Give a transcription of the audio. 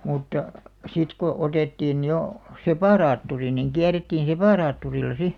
mutta sitten kun otettiin jo separaattori niin kierrettiin separaattorilla sitten